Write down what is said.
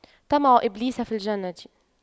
طمع إبليس في الجنة